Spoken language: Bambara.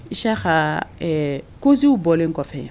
Isa ka kosiw bɔlen kɔfɛ yan